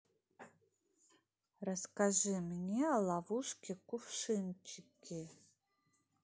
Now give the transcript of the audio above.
расскажи мне о ловушке кувшинчики